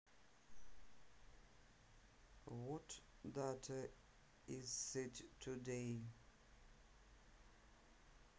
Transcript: what date is it today